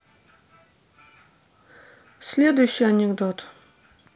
следующий анекдот